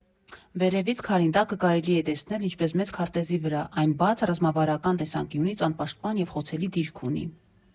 Վերևից Քարինտակը կարելի է տեսնել ինչպես մեծ քարտեզի վրա, այն բաց, ռազմավարական տեսանկյունից անպաշտպան և խոցելի դիրք ունի։